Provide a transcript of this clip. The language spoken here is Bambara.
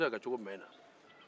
o bɛ se ka kɛ cogo jumɛn na